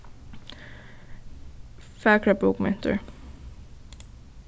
fagrar bókmentir